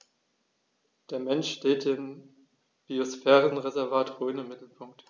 Der Mensch steht im Biosphärenreservat Rhön im Mittelpunkt.